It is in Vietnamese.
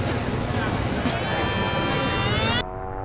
sự là